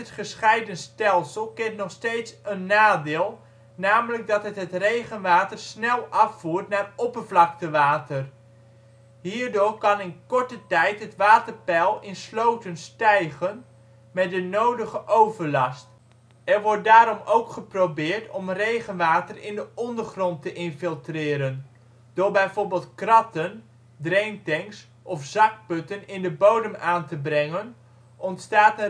gescheiden stelsel kent nog steeds een nadeel, namelijk dat het het regenwater snel afvoert naar oppervlaktewater. Hierdoor kan in korte tijd het waterpeil in sloten stijgen, met de nodige overlast. Er wordt daarom ook geprobeerd om regenwater in de ondergrond te infiltreren. Door bijvoorbeeld kratten (draintanks) of zakputten in de bodem aan te brengen, ontstaat